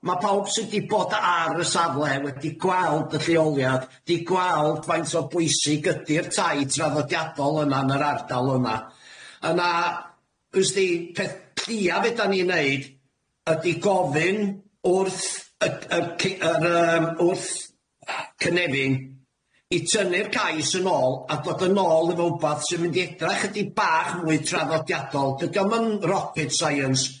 Wel, ma' pawb sy'n di bod ar y safle wedi gweld y lleoliad, 'di gweld faint o bwysig ydi'r tai traddodiadol yma yn yr ardal yna a na w'sdi peth lleiaf fedran ni'i 'neud ydi gofyn wrth yy yy cy- yr yym wrth Cynefin i tynnu'r cais yn ôl a dod yn ôl efo 'wbath sy'n mynd i edrach 'chydig bach mwy traddodiadol dydi o'm yn rocket science.